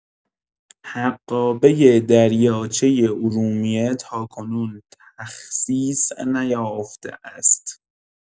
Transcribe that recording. حقابه دریاچه ارومیه تاکنون تخصیص نیافته است.